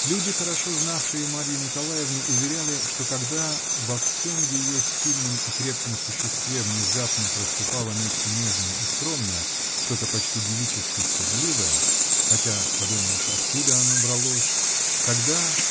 Люди, хорошо знавшие Марью Николаевну, уверяли, что когда во всем ее сильном и крепком существе внезапно проступало нечто нежное и скромное, что-то почти девически стыдливое -- хотя, подумаешь, откуда оно бралось?. -- тогда.